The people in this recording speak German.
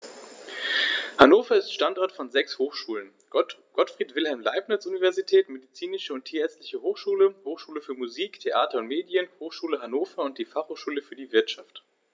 Hannover ist Standort von sechs Hochschulen: Gottfried Wilhelm Leibniz Universität, Medizinische und Tierärztliche Hochschule, Hochschule für Musik, Theater und Medien, Hochschule Hannover und die Fachhochschule für die Wirtschaft.